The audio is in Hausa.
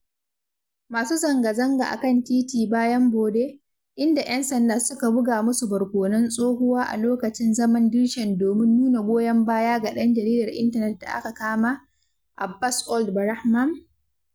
Masu zangazanga a kan titi bayan bore, inda 'yan sanda suka buga musu barkonon tsohuwa a lokacin zaman dirshan domin nuna goyon baya ga ɗan jaridar intanet da aka kama, Abbass Ould Brahmam.